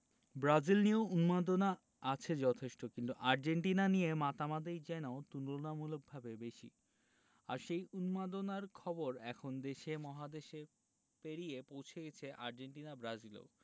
Brazil নিয়েও উন্মাদনা আছে যথেষ্ট কিন্তু আর্জেন্টিনা নিয়ে মাতামাতিই যেন তুলনামূলকভাবে বেশি আর সেই উন্মাদনার খবর এখন দেশে মহাদেশ পেরিয়ে পৌঁছে গেছে আর্জেন্টিনা ব্রাজিলও